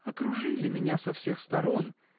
— Окружили меня со всех сторон